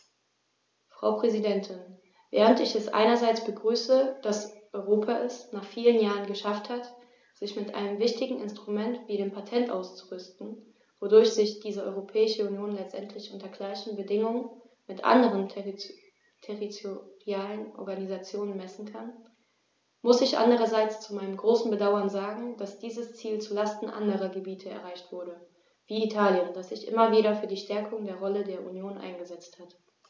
Frau Präsidentin, während ich es einerseits begrüße, dass Europa es - nach vielen Jahren - geschafft hat, sich mit einem wichtigen Instrument wie dem Patent auszurüsten, wodurch sich die Europäische Union letztendlich unter gleichen Bedingungen mit anderen territorialen Organisationen messen kann, muss ich andererseits zu meinem großen Bedauern sagen, dass dieses Ziel zu Lasten anderer Gebiete erreicht wurde, wie Italien, das sich immer wieder für die Stärkung der Rolle der Union eingesetzt hat.